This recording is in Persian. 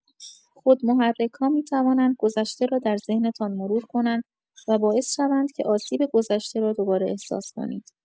خود محرک‌ها می‌توانند گذشته را در ذهنتان مرور کنند و باعث شوند که آسیب گذشته را دوباره احساس کنید.